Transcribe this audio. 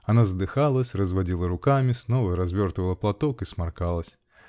Она задыхалась, разводила руками, снова развертывала платок и сморкалась.